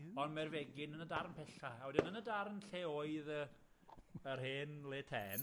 On' ma'r fegyn yn y darn pella, a wedyn yn y darn lle oedd yy yr hen le tên,